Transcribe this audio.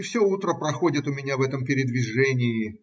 Все утро проходит у меня в этом передвижении.